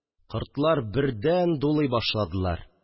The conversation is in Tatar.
Кортлар бердән дулый башладылар